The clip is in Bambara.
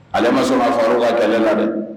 Ale ma sɔn'a fara ka kɛlɛ na dɛ